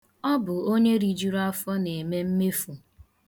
Ọ bụ onye rijuru afọ na-eme mmefu.